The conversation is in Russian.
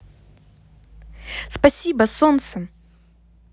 спасибо солнце